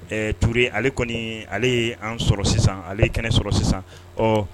Ɛ turri ale kɔni ale ye an sɔrɔ sisan ale ye kɛnɛ sɔrɔ sisan ɔ